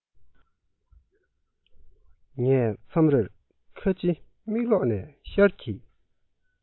ངས མཚམས རེར ཁ ཕྱི མིག སློག ནས ཤར གྱི